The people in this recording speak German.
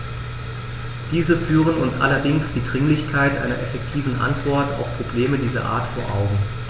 Diese führen uns allerdings die Dringlichkeit einer effektiven Antwort auf Probleme dieser Art vor Augen.